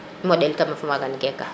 moɗelo magam geka